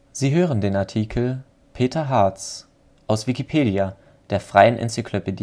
Sie hören den Artikel Peter Hartz, aus Wikipedia, der freien Enzyklopädie